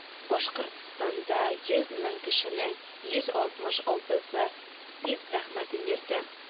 Башкортстанда 100 мең кешенең 166-сы СПИД зәхмәтен йөртә.